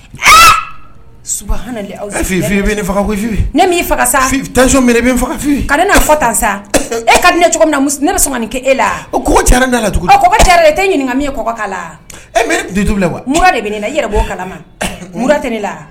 Su faga sa ka n'a fɔ tan sa e ka ne cogo min ne kɛ e la da la tɛ ɲininka kala e wa de bɛ ne i yɛrɛ' kala tɛ ne la